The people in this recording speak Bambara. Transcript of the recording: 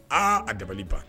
Aa a dabali ban